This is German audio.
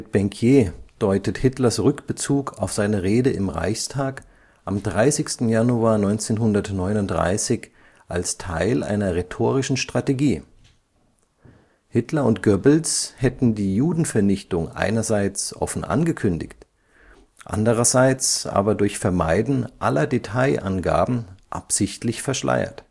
Bankier deutet Hitlers Rückbezug auf seine Rede im Reichstag am 30. Januar 1939 als Teil einer rhetorischen Strategie: Hitler und Goebbels hätten die Judenvernichtung einerseits offen angekündigt, andererseits aber durch Vermeiden aller Detailangaben absichtlich verschleiert